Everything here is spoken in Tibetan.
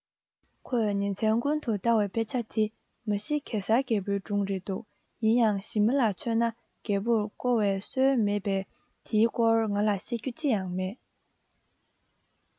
ཁོས ཉིན མཚན ཀུན ཏུ ལྟ བའི དཔེ ཆ དེ མ གཞི གེ སར རྒྱལ པོའི སྒྲུང རེད འདུག ཡིན ཡང ཞི མི ལ མཚོན ན རྒྱལ པོར བསྐོ བའི སྲོལ མེད པས དེའི སྐོར ང ལ བཤད རྒྱུ ཅི ཡང མེད